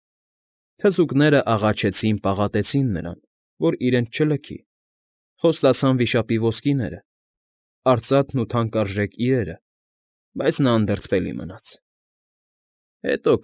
Թզուկներն աղաչեցին֊պաղատեցին նրան, որ իրենց չլքի, խոստացան վիշապի ոսկիները, արծաթն ու թանկարժեք իրերը, բայց նա անդրդվելի մնաց։ ֊ Հետո։